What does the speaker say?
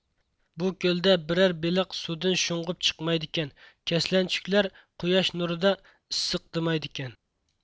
بۇ كۆلدە بىرەر بېلىق سۇدىن شۇڭغۇپ چىقمايدىكەن كەسلەنچۈكلەر قۇياش نۇرىدا ئىسسىقدىمايدىكەن